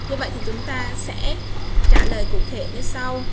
như vậy thì chúng ta sẽ trả lời cụ thể như sau